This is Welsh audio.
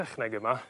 techneg yma